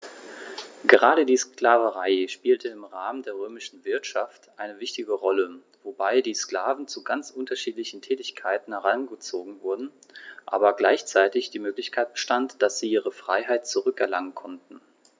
Gerade die Sklaverei spielte im Rahmen der römischen Wirtschaft eine wichtige Rolle, wobei die Sklaven zu ganz unterschiedlichen Tätigkeiten herangezogen wurden, aber gleichzeitig die Möglichkeit bestand, dass sie ihre Freiheit zurück erlangen konnten.